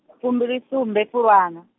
fumbilisumbe Fulwana.